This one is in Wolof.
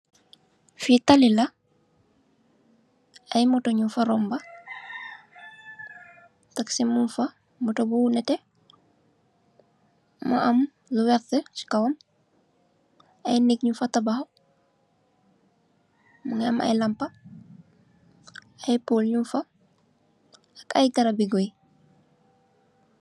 Fi taali la ay moto nyun fa romba taxi mun fa moto bu nete mu am lu wertax si kawam ay neeg nyun fa tabax mongi am ay lampa ay pole nyun fa ak ay garabi gooi.